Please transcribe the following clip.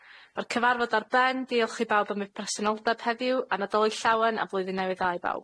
Ma'r cyfarfod ar ben. Diolch i bawb am eu presenoldeb heddiw, a Nadolig llawen a blwyddyn newydd dda i bawb.